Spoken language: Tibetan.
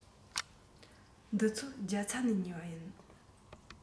འདི ཚོ རྒྱ ཚ ནས ཉོས པ ཡིན